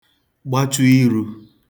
gbachu irū